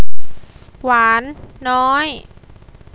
หวานน้อย